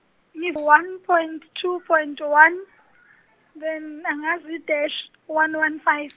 ngi one point two point one then angazi i- dash one one five.